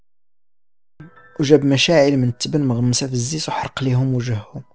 و جبن سائل من تبن مغمسه الزيت حق اليوم وجهك